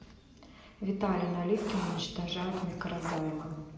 виталий наливкин уничтожает микрозаймы